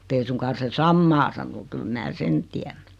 mutta ei suinkaan se samaa sano kyllä minä sen tiedän